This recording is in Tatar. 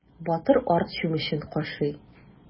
Батыр арт чүмечен кашый.